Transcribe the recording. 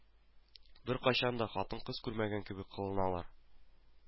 Беркайчан да хатын-кыз күрмәгән кебек кыланалар